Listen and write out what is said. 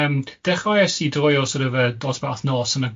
yym, dechreuais i droi o sor' of yy dosbarth nos yn y